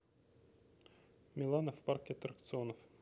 милана в парке аттракционов